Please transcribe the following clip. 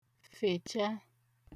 fècha